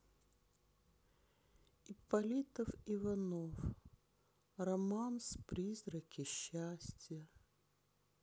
ипполитов иванов романс призраки счастья